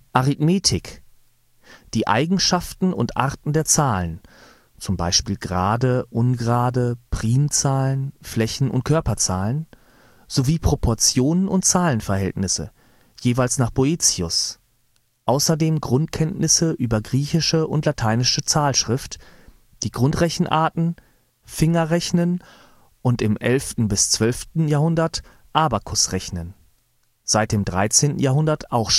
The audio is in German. Arithmetik: Die Eigenschaften und Arten der Zahlen (z. B. gerade, ungerade, Primzahlen, Flächen - und Körperzahlen) sowie Proportionen und Zahlenverhältnisse, jeweils nach Boëthius, außerdem Grundkenntnisse über griechische und lateinische Zahlschrift, Grundrechenarten, Fingerrechnen und im 11. – 12. Jahrhundert Abakusrechnen, seit dem 13. Jahrhundert auch